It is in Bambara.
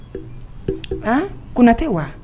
Kotɛ wa